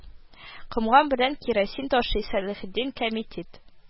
Комган белән кирасин ташый Салахетдин «Кәмитет»